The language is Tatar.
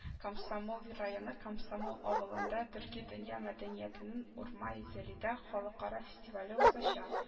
Комсомол районы Комсомол авылында төрки дөнья мәдәниятенең “Урмай зәлидә” Халыкара фестивале узачак